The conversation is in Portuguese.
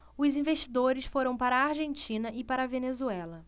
os investidores foram para a argentina e para a venezuela